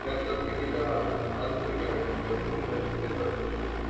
Я только недавно отвык от этой ерунды. Василий Петрович!